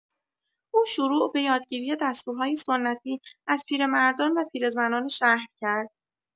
او شروع به یادگیری دستورهای سنتی از پیرمردان و پیرزنان شهر کرد.